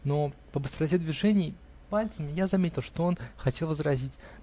Но по быстроте движений пальцами я заметил, что он хотел возразить